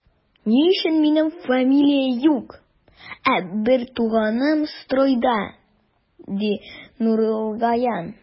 Ни өчен минем фамилиям юк, ә бертуганым стройда, ди Нурлыгаян.